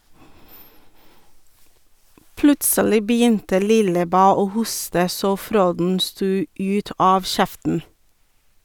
Plutselig begynte Lillebæ å hoste så fråden stod ut av kjeften.